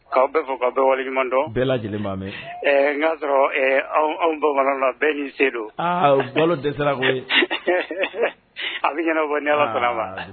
K'aw bɛ fɔ, k'aw bɛ waleɲuman dɔn. Bɛɛ lajɛlen b'a mɛn. Ɛɛ n y'a sɔrɔ ɛɛ anw bamanan na , bɛɛ ni se don, aa balo dɛsɛ koyi, , a bɛ ɲɛnabɔ ni Ala sɔnna a ma, aa.